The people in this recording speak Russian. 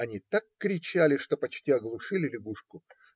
Они так кричали, что почти оглушили лягушку.